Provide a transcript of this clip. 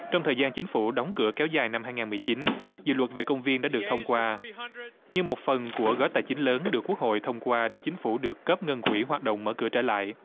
trong thời gian chính phủ đóng cửa kéo dài năm hai ngàn mười chín dự luật về công viên đã được thông qua như một phần của gói tài chính lớn được quốc hội thông qua để chính phủ được cấp ngân quỹ hoạt động mở cửa trở lại